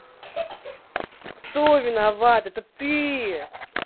кто виноват это ты